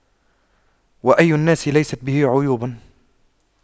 وأي الناس ليس به عيوب